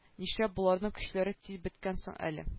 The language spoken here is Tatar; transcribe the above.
Нишләп боларның көчләре тиз беткән соң әле